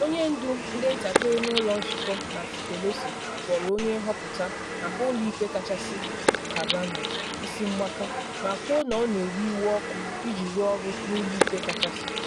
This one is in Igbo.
Onye Ndu Ndị Ntakịrị N’ụlọ Nzụkọ Nancy Pelosi kpọrọ onye nhọpụta maka Ụlọ Ikpe Kachasị Kavanaugh “isi mgbaka” ma kwuo na ọ na ewe iwe ọkụ iji rụọ ọrụ na Ụlọ Ikpe Kachasị.